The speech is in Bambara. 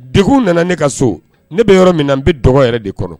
Dugu nana ne ka so ne bɛ yɔrɔ min na n bɛ dɔgɔ wɛrɛ de kɔrɔ